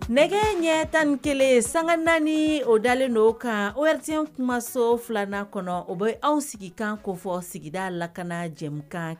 Nɛgɛ ɲɛ tan ni kelen sanga naani o dalen don kan ORTM kumaso filanan kɔnɔ o bɛ anw sigikan kofɔ sigida lakana jɛmukanw